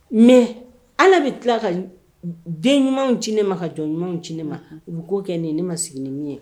Mais ala bi kila ka den ɲumanw ci ne ma . Ka jɔn ɲumanw ci ne ma . U bi kow kɛ ne ye ne ma sigi ni min ye.